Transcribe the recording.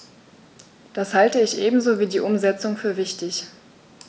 Das halte ich ebenso wie die Umsetzung für wichtig.